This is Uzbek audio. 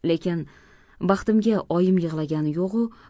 lekin baxtimga oyim yig'lagani yo'g'u